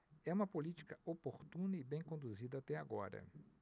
é uma política oportuna e bem conduzida até agora